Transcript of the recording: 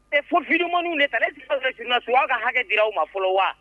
E fo fi minnu de ale tun zna su aw ka hakɛ di aw ma fɔlɔ wa